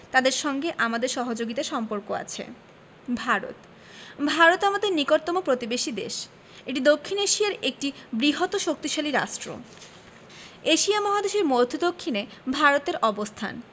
তাদের সঙ্গে আমাদের সহযোগিতার সম্পর্ক আছে ভারতঃ ভারত আমাদের নিকটতম প্রতিবেশী দেশএটি দক্ষিন এশিয়ার একটি বৃহৎও শক্তিশালী রাষ্ট্র এশিয়া মহাদেশের মদ্ধ্য দক্ষিনে ভারতের অবস্থান